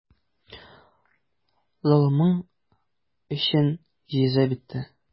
Золымың өчен җәза бетте.